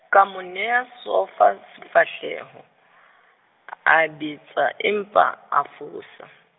ka mo neha sona, sefahleho, a betsa, empa, a fosa.